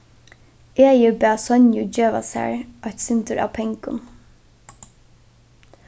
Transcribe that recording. egi bað sonju geva sær eitt sindur av pengum